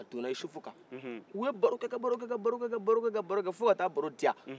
a donan isufu kan u ye baarokɛ ka baarokɛ ka baarokɛ fo kata baaro diya